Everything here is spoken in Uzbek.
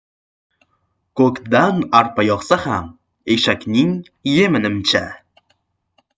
ko'kdan arpa yog'sa ham eshakning yemi nimcha